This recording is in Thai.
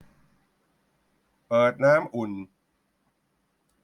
เปิดน้ำอุ่น